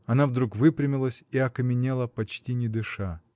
Она вдруг выпрямилась и окаменела, почти не дыша.